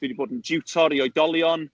Dwi 'di bod yn diwtor i oedolion. Yym.